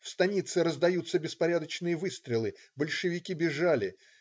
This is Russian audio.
В станице раздаются беспорядочные выстрелы. Большевики бежали.